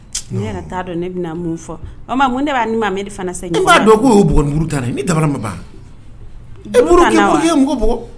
Ne yɛrɛ t'a dɔn ne bɛna mun fɔ. O tuma mun de b'a ni muhamɛdi fana se ɲɔgɔn ma? I b'a dɔn k'o ye bugɔlimuru ta dɛ, ne dabaliya ma ban wa. Ee, muru mɔgɔ bugɔ.